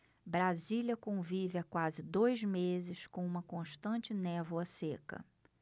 brasília convive há quase dois meses com uma constante névoa seca